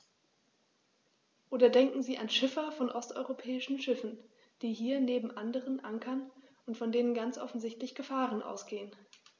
Oder denken Sie an Schiffer von osteuropäischen Schiffen, die hier neben anderen ankern und von denen ganz offensichtlich Gefahren ausgehen.